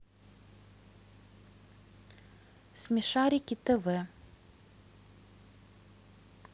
смешарики тв